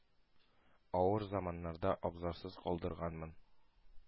Авыр заманнарда абзарсыз калдырганмын.